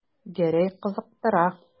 Гәрәй кызыктыра.